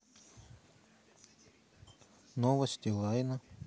новости лайна